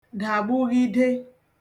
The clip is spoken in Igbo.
dàgbughide